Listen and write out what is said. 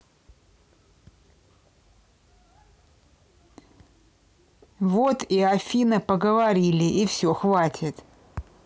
вот и афина поговорили и все хватит